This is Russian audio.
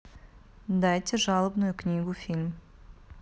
дайте жалобную книгу фильм